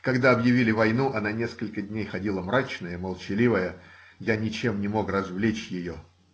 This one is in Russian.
Когда объявили войну, она несколько дней ходила мрачная, молчаливая, я ничем не мог развлечь ее.